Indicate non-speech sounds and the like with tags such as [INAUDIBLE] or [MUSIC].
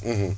[HESITATION] [HESITATION]